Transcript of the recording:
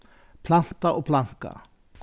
planta og planka